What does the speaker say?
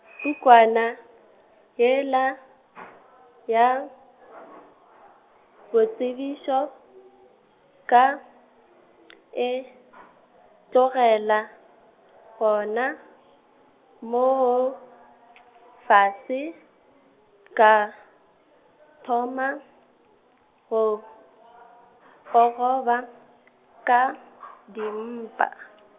pukwana, yela , ya, boitsebišo, ka , e , tlogela, gona, moo, fase, ka, thoma, go , gogoba, ka , dimpa.